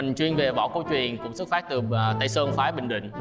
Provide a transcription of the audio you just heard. mình chuyên về võ cổ truyền cũng xuất phát từ ờ tây sơn phái bình định